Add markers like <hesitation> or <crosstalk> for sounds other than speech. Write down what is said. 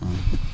<hesitation>